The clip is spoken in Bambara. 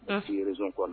Unh ti région kɔɔna